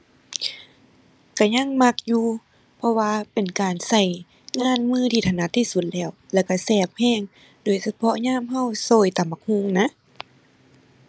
ก็ยังมักอยู่ เพราะว่าเป็นการก็งานมือที่ถนัดที่สุดแล้ว แล้วก็แซ่บก็ โดยเฉพาะยามก็โซ้ยตำบักหุ่งนะ